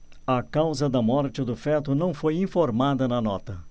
a causa da morte do feto não foi informada na nota